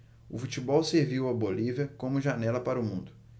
o futebol serviu à bolívia como janela para o mundo